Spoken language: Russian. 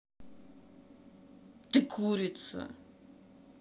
ты курица